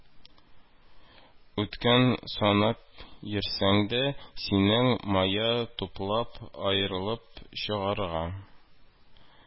Үткән санап йөрсәң дә, синең мая туплап, аерылып чыгарыга